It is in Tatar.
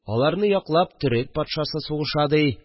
Аларны яклап төрек патшасы сугышасы ди